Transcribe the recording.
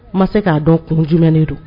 Ma se k'a dɔn kun jumɛn de don